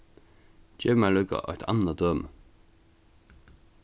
gev mær líka eitt annað dømi